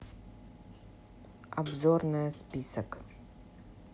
обзорная список